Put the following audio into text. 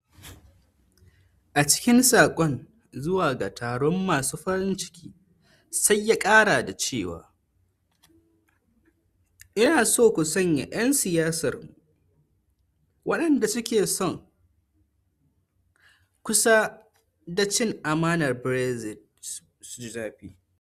A cikin sakon zuwa ga taron masu farin ciki sai ya kara da cewa: 'Ina so ku sanya' yan siyasarmu, waɗanda suke kusa da cin amanar Brexit, su ji zafi.